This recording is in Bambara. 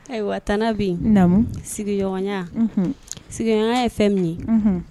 Ayiwa Tani Habi naam sigiɲɔgɔnya unhun sigiɲɔgɔnya ye fɛn min unhun